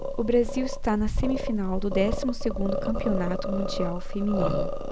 o brasil está na semifinal do décimo segundo campeonato mundial feminino